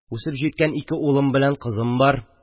Үсеп җиткән ике улым белән кызым бар